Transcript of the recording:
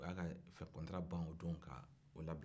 a y'a ka kontara ban o don ka o labila